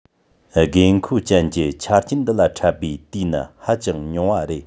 དགོས མཁོ ཅན གྱི ཆ རྐྱེན འདི ལ འཕྲད པའི དུས ནི ཧ ཅང ཉུང བ རེད